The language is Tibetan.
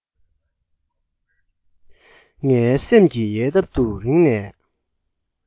ངའི སེམས ཀྱི ཡལ འདབ ཏུ རིང ནས